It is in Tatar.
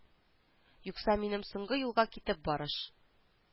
Юкса минем соңгы юлга китеп барыш